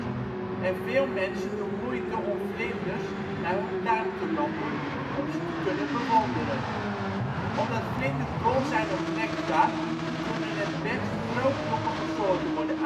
en veel mensen doen moeite om vlinders naar hun tuin te lokken om ze te kunnen bewonderen. Omdat vlinders dol zijn op nectar kunnen het best grootbloemige soorten worden